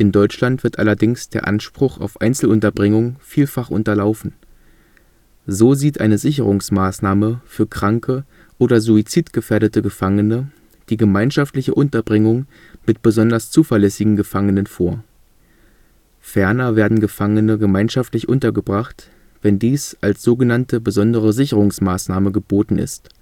Deutschland wird allerdings der Anspruch auf Einzelunterbringung vielfach unterlaufen. So sieht eine Sicherungsmaßnahme für kranke oder suizidgefährdete Gefangene die „ gemeinschaftliche Unterbringung mit besonders zuverlässigen Gefangenen “vor. Ferner werden Gefangene gemeinschaftlich untergebracht, wenn dies als sog. Besondere Sicherungsmaßnahme geboten ist